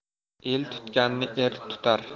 el tutganni er tutar